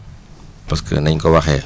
parce que nañ ko waxee